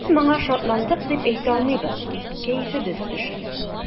Без моңа шатландык дип әйтә алмыйбыз, кәефебез төште.